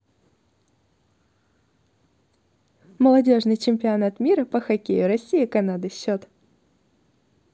молодежный чемпионат мира по хоккею россия канада счет